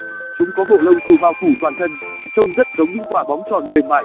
chúng có bộ lông xù bao phủ toàn thân trông rất giống những quả bóng tròn mềm mại